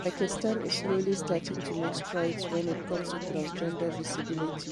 Pakistan is slowly starting to make strides when it comes to transgender visibility.